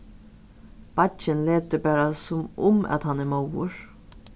beiggin letur bara sum um at hann er móður